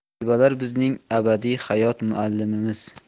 tajribalar bizning abadiy hayot muallimimiz